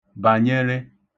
bànyere